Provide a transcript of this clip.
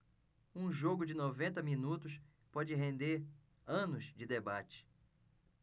um jogo de noventa minutos pode render anos de debate